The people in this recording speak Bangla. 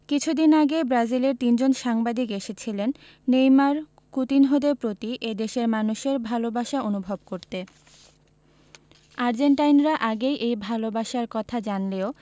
কিছুদিন আগেই ব্রাজিলের তিনজন সাংবাদিক এসেছিলেন নেইমার কুতিনহোদের প্রতি এ দেশের মানুষের ভালোবাসা অনুভব করতে আর্জেন্টাইনরা আগেই এই ভালোবাসার কথা জানলেও